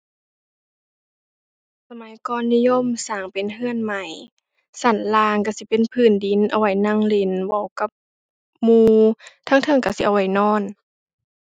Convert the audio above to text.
สมัยก่อนนิยมสร้างเป็นเรือนไม้ เรือนล่างเรือนสิเป็นพื้นดินเอาไว้นั่งเล่นเว้ากับหมู่ เทิงเทิงเรือนสิเอาไว้นอน